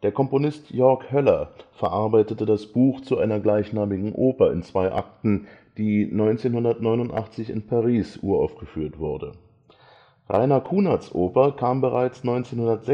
Komponist York Höller verarbeitete das Buch zu einer gleichnamigen Oper in zwei Akten, die 1989 in Paris uraufgeführt wurde. Rainer Kunads Oper kam bereits 1986